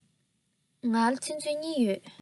ང ལ ཚིག མཛོད གཉིས ཡོད